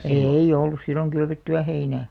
ei ollut silloin kylvettyä heinää